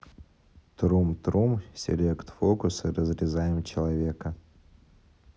трум трум селект фокусы разрезаем человека